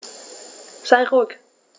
Sei ruhig.